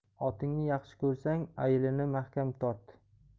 otingni yaxshi ko'rsang ayilini mahkam tort